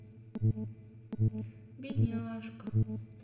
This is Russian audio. бедняжка